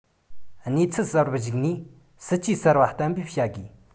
གནས ཚུལ གསར པར གཞིགས ནས སྲིད ཇུས གསར པ གཏན འབེབས བྱ དགོས